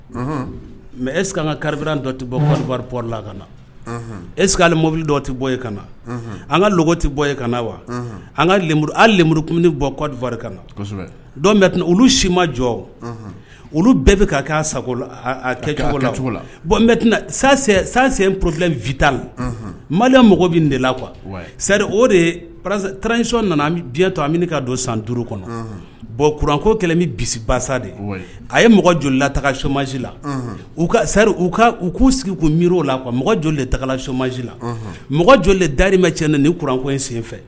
Mɛ esan ka karibi dɔ tɛ bɔ pɔrila ka na es'ale mobili dɔti bɔye ka na an ka ti bɔye ka na wa an ka buru buruk bɔwaɔri ka na olu sima jɔ olu bɛɛ bɛ ka' sagokɔ bɔ cogo sansen porofile fitali mali mɔgɔ bɛ de la qu seri o deransiɔn nana to amina k'a don san duuru kɔnɔ bɔn kuranko kɛlen bɛ bisimilabasa de a ye mɔgɔ jolila taga somaz la u kari u u k'u sigi u mi o la kuwa mɔgɔ joli de tagala somaz la mɔgɔ joli darimɛ cɛ ni kuranko in senfɛ